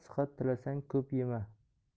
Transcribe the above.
sihat tilasang ko'p yema